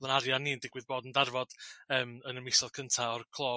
o'dd yn arian ni'n digwydd bod yn darfod eem yn y misoedd cynta' o'r clo